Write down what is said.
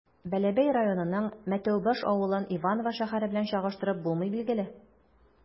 Бәләбәй районының Мәтәүбаш авылын Иваново шәһәре белән чагыштырып булмый, билгеле.